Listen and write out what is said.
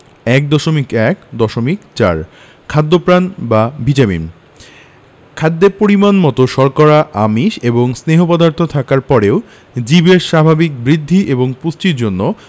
১.১.৪ খাদ্যপ্রাণ বা ভিটামিন খাদ্যে পরিমাণমতো শর্করা আমিষ এবং স্নেহ পদার্থ থাকার পরেও জীবের স্বাভাবিক বৃদ্ধি এবং পুষ্টির জন্য